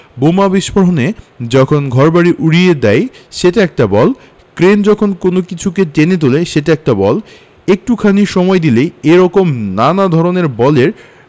বোমা বিস্ফোরণে যখন ঘরবাড়ি উড়িয়ে দেয় সেটা একটা বল ক্রেন যখন কোনো কিছুকে টেনে তুলে সেটা একটা বল একটুখানি সময় দিলেই এ রকম নানা ধরনের বলের